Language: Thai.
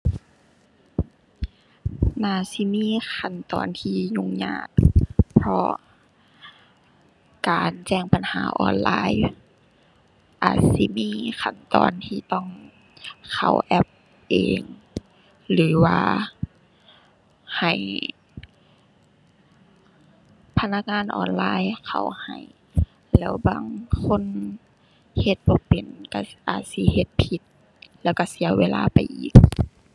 น่าสิมีขั้นตอนที่ยุ่งยาก เพราะการแจ้งปัญหาออนไลน์ อาจสิมีขั้นตอนที่ต้องเข้าแอปเอง หรือว่าให้พนักงานออนไลน์เข้าให้ แล้วบางคนเฮ็ดบ่เป็นก็อาจสิเฮ็ดผิด แล้วก็เสียเวลาไปอีก